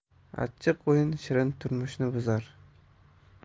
achchiq o'yin shirin turmushni buzar